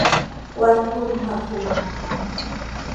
วัดอุณหภูมิน้ำ